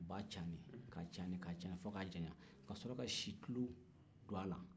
u b'a caani k'a caani fɔ k'a jayan ka sɔrɔ ka situlu don a la